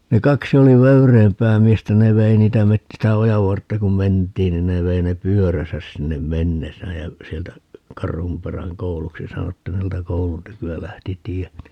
ne kaksi oli vöyreämpää miestä ne vei niitä - sitä ojan vartta kun mentiin niin ne vei ne pyöränsä sinne mennessään ja sieltä Karhunperän kouluksi sanottiin niin sieltä koulun tyköä lähti tie niin